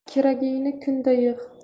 keragingni kunda yig'